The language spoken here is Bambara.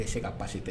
A tɛ se ka pasi tɛ